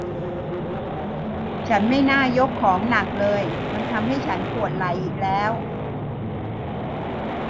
ฉันไม่น่ายกของหนักเลยมันทำให้ฉันปวดไหล่อีกแล้ว